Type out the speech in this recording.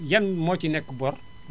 yan moo ci nekk bor